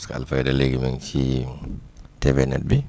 parce que Alfayda léegi mu ngi ci TV net bi